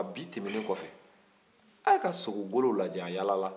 bi tɛmɛnen kɔfɛ a ye ka sogogolo lajɛ a yala la